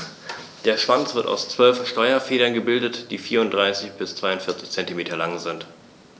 Der Schwanz wird aus 12 Steuerfedern gebildet, die 34 bis 42 cm lang sind.